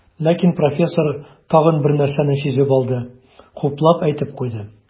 Ләкин профессор тагын бер нәрсәне сизеп алды, хуплап әйтеп куйды.